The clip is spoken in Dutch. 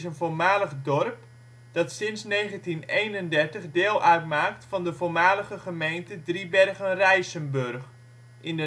voormalig dorp dat sinds 1931 deel uitmaakt van de voormalige gemeente Driebergen-Rijsenburg in